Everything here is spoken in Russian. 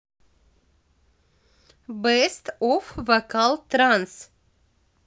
бест оф вокал транс